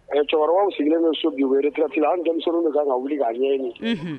A cɛkɔrɔbaw sigilen bɛ so bi wele kifi an denmisɛnnin kan ka wuli k' ɲɛ ɲini